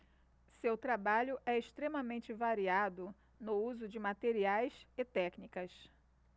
seu trabalho é extremamente variado no uso de materiais e técnicas